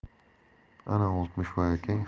ana oltmishvoy akang